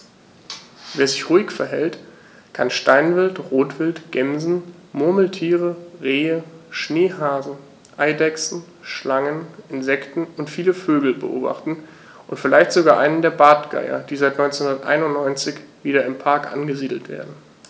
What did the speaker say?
Wer sich ruhig verhält, kann Steinwild, Rotwild, Gämsen, Murmeltiere, Rehe, Schneehasen, Eidechsen, Schlangen, Insekten und viele Vögel beobachten, vielleicht sogar einen der Bartgeier, die seit 1991 wieder im Park angesiedelt werden.